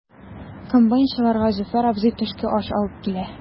Комбайнчыларга Зөфәр абзый төшке аш алып килә.